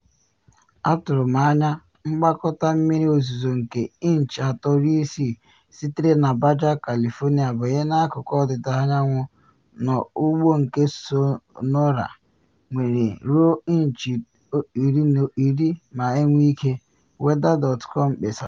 “Atụrụ anya mgbakọta mmiri ozizo nke inchi 3 ruo 6 sitere na Baja California banye n’akụkụ ọdịda anyanwụ na ugwu nke Sonora, nwere ruo inchi 10 ma enwee ike,” weather.com kpesara.